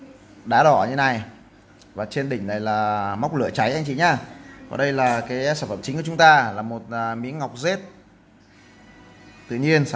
đá đỏ như thế này trên đỉnh này là móc lửa cháy các anh chị nha đây là sản phẩm chính của chúng ta là một miếng ngọc jade tự nhiên